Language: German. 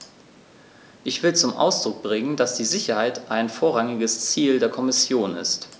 Ich will zum Ausdruck bringen, dass die Sicherheit ein vorrangiges Ziel der Kommission ist.